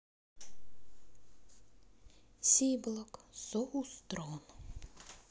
сиблок соу стронг